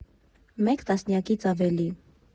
Մեկ տասնյակից ավելի։